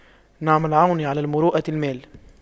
نعم العون على المروءة المال